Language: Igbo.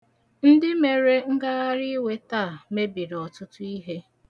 Ndị mere ngagharịiwe taa mebiri ọtụtụ ihe.